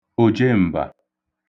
òjem̀bà